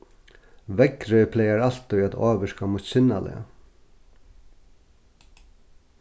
veðrið plagar altíð at ávirka mítt sinnalag